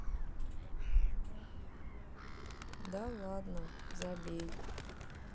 да ладно забей